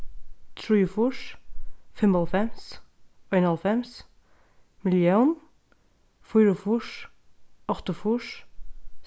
trýogfýrs fimmoghálvfems einoghálvfems millión fýraogfýrs áttaogfýrs